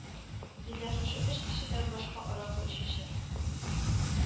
Бездә шушы өч кешедән башка аракы эчүче